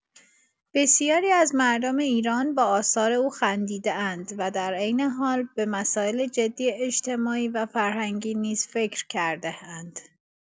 بسیاری از مردم ایران با آثار او خندیده‌اند و در عین حال به مسائل جدی اجتماعی و فرهنگی نیز فکر کرده‌اند.